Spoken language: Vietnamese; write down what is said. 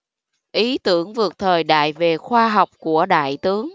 ý tưởng vượt thời đại về khoa học của đại tướng